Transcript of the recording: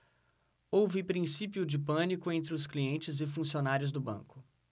houve princípio de pânico entre os clientes e funcionários do banco